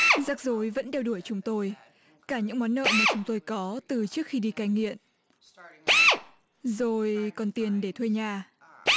rắc rối vẫn đeo đuổi chúng tôi cả những món nợ mà chúng tôi có từ trước khi đi cai nghiện rồi còn tiền để thuê nhà